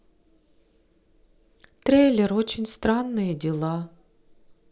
трейлер очень странные дела